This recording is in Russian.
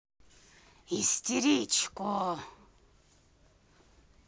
истеричку